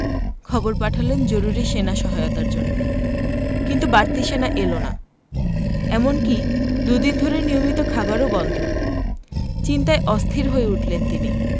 খবর পাঠালেন জরুরি সেনা সহায়তার জন্য কিন্তু বাড়তি সেনা এলো না এমনকি দুদিন ধরে নিয়মিত খাবারও বন্ধ চিন্তায় অস্থির হয়ে উঠলেন তিনি